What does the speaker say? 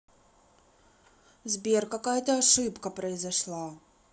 сбер какая ошибка произошла